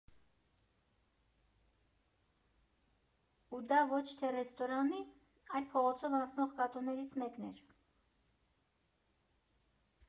Ու դա ոչ թե ռեստորանի, այլ փողոցով անցնող կատուներից մեկն էր։